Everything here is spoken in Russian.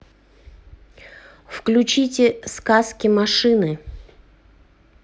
включите сказки машины